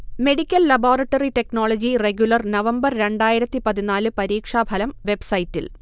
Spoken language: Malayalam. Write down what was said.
medical laboratory technology regular November രണ്ടായിരത്തി പതിനാല് പരീക്ഷാഫലം വെബ്സൈറ്റിൽ